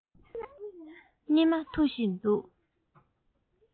སྙེ མ འཐུ བཞིན འདུག